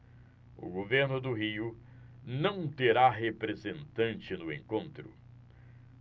o governo do rio não terá representante no encontro